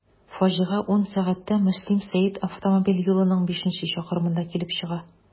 Фаҗига 10.00 сәгатьтә Мөслим–Сәет автомобиль юлының бишенче чакрымында килеп чыга.